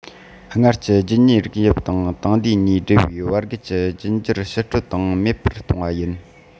སྔར གྱི རྒྱུད ཉེའི རིགས དབྱིབས དང དེང འདས གཉིས སྦྲེལ བའི བར བརྒལ གྱི རྒྱུད འགྱུར ཕྱིར སྐྲོད དང མེད པར གཏོང བ ཡིན